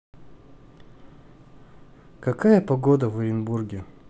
какая погода в оренбурге